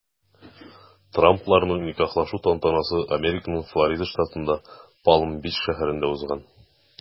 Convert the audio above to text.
Трампларның никахлашу тантанасы Американың Флорида штатында Палм-Бич шәһәрендә узган.